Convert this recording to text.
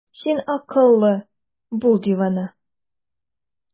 Син акыллы, бул дивана!